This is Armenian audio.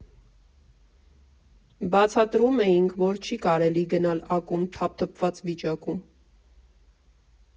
Բացատրում էինք, որ չի կարելի գնալ ակումբ թափթփված վիճակում։